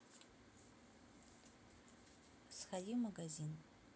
сходи в магазин